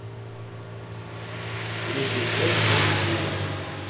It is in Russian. третья часть а четыре